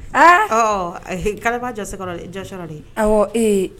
Kari jasekɔrɔ jasira de ee